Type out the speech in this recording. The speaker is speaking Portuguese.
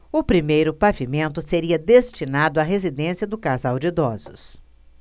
o primeiro pavimento seria destinado à residência do casal de idosos